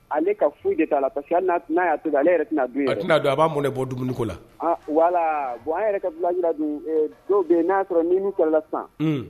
Ale ka foyi de t' la parce n'a'a to ale yɛrɛ tɛna' a tɛnaa don a b'a mun bɔ dumuni la wala bon an yɛrɛ ka bilaina dun dɔw bɛ yen n'a'a sɔrɔ ni min kɛrala san